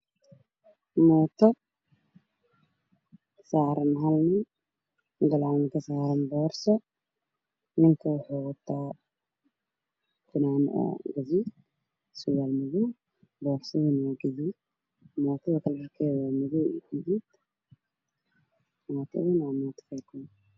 Meeshaan waxaa ka muuqda nin saaran mooto guduudan gadaalna ay saaran tahay boorso guduud ah waxa uuna wataa fanaanad guduudan